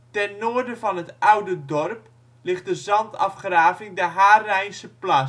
Ten noorden van het oude dorp ligt de zandafgraving de Haarrijnseplas. Het